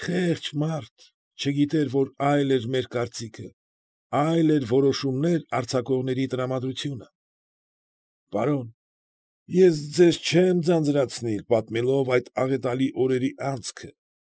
Խե՜ղճ մարդ, չգիտեր, որ այլ էր մեր կարծիքը, այլ էր որոշումներ արձակողների տրամադրությունը… Պարոն, ես ձեզ չեմ ձանձրացնիլ՝ պատմելով այդ աղետալի օրերի անցքը։